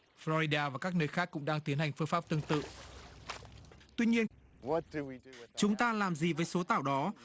phờ loi li đa và các nơi khác cũng đang tiến hành phương pháp tương tự tuy nhiên chúng ta làm gì với số tảo đó